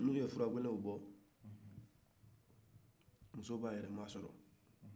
n'u ye fura gɛlɛw bɔ muso b'a yɛrɛ sɔrɔ